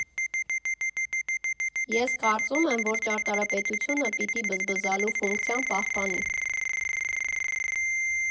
Ես կարծում եմ, որ ճարտարապետությունը պիտի բզբզալու ֆունկցիան պահպանի։